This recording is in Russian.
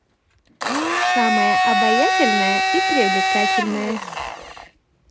самая обязательная и привлекательная